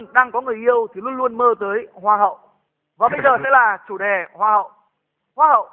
đang có người yêu thì luôn luôn mơ tới hoa hậu và bây giờ sẽ là chủ đề hoa hậu hoa hậu